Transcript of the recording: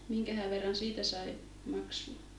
minkähän verran siitä sai maksua